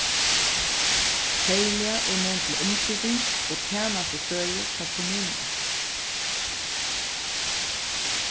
serliga í mun til umsiting og tænastustøðið hjá kommununi